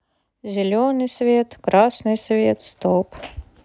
зеленый свет красный свет стоп